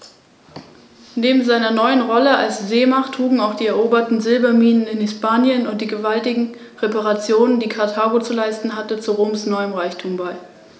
Der Sieg über Karthago im 1. und 2. Punischen Krieg sicherte Roms Vormachtstellung im westlichen Mittelmeer.